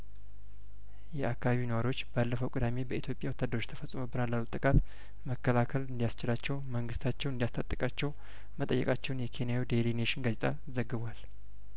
የአካባቢው ነዋሪዎች ባለፈው ቅዳሜ በኢትዮጵያ ወታደሮች ተፈጽሞ ብናል ላሉት ጥቃት መከላከል እንዲ ያስችላቸው መንግስታቸው እንዲያስ ታጥቃቸው መጠየቃቸውን የኬንያው ዴይሊ ኔሽን ጋዜጣ ዘግቧል